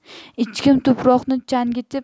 echkim tuproqni changitib